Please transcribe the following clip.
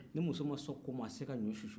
ni muso ma sɔn ko ma a tɛ se ka ɲɔ susu